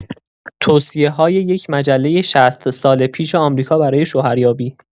توصیه‌های یک مجله ۶۰ سال پیش آمریکا برای شوهریابی.